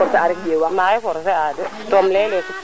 monte tamit jega lakas wa nu njalta ref na a ciiñ nuun